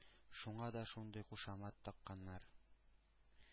Шуңа да шундый кушамат такканнар.